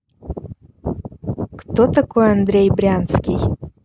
кто такой андрей брянский